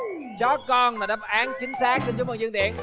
chó con là đáp án chính xác xin chú mừng dương tiễn